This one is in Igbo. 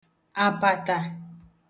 àpàtà